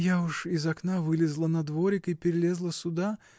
Я уж из окна вылезла на дворик и перелезла сюда.